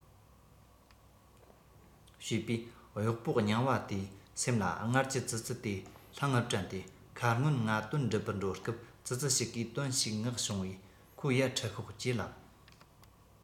བྱས པས གཡོག པོ རྙིང པ དེའི སེམས ལ སྔར གྱི ཙི ཙི དེ ལྷང ངེར དྲན ཏེ ཁ སྔོན ང དོན སྒྲུབ པར འགྲོ སྐབས ཙི ཙི ཞིག གིས དོན ཞིག མངགས བྱུང བས ཁོ ཡར ཁྲིད ཤོག ཅེས ལབ